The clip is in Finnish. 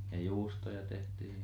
ja juustoja tehtiin ja